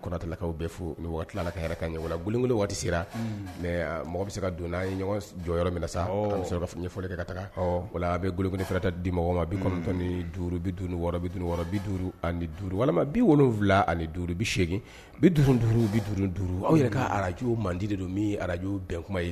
Kaw waati sera mɛ mɔgɔ bɛ se ka don ye ɲɔgɔn jɔyɔrɔ yɔrɔ min na sa'a ɲɛfɔli ka taa wala a bɛ g kelen fanata di mɔgɔ ma bitɔn ni duuru bi wɔɔrɔ wɔɔrɔ duuru ani duuru walima bi wolowula ani duuru bi see bi duuru duuru bi duuru duuru aw yɛrɛ ka arajw mandi de don ni araj bɛn kuma ye